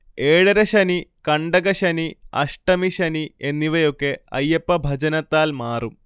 ഏഴരശ്ശനി, കണ്ടകശ്ശനി, അഷ്ടമിശനി എന്നിവയൊക്കെ അയ്യപ്പഭജനത്താൽ മാറും